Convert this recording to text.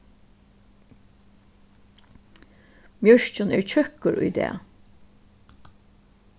mjørkin er tjúkkur í dag